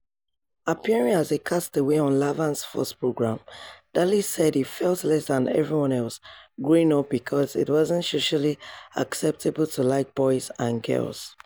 Appearing as a castaway on Laverne's first program, Daley said he felt "less than" everyone else growing up because "it wasn't socially acceptable to like boys and girls."